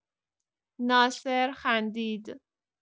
ناصر خندید.